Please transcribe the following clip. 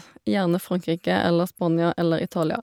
Gjerne Frankrike eller Spania eller Italia.